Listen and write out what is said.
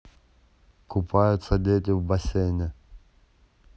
купаются дети в бассейне